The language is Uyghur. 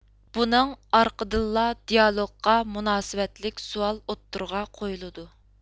بۇنىڭ ئارقىدىنلا دىئالوگقا مۇناسىۋەتلىك سوئال ئوتتۇرىغا قويۇلىدۇ